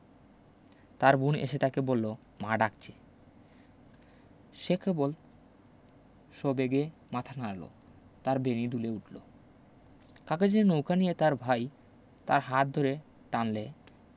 তার বুন এসে তাকে বলল মা ডাকছে সে কেবল সবেগে মাথা নাড়ল তার বেণী দুলে উঠল কাগজের নৌকা নিয়ে তার ভাই তার হাত ধরে টানলে